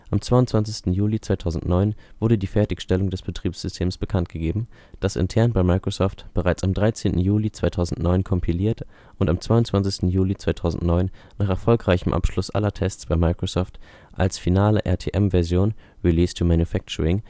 22. Juli 2009 wurde die Fertigstellung des Betriebssystems bekannt gegeben, das intern bei Microsoft bereits am 13. Juli 2009 kompiliert und am 22. Juli 2009 nach erfolgreichem Abschluss aller Tests bei Microsoft als finale RTM-Version (Release To Manufacturing